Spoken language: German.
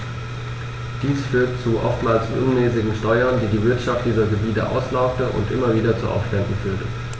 Dies führte zu oftmals unmäßigen Steuern, die die Wirtschaft dieser Gebiete auslaugte und immer wieder zu Aufständen führte.